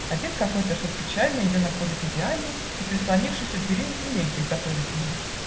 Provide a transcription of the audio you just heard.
Один какой-то шут печальный Ее находит идеальной И, прислонившись у дверей, Элегию готовит ей.